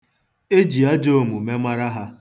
E ji ajọ omume mara ha.